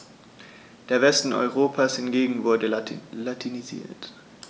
Der Westen Europas hingegen wurde latinisiert.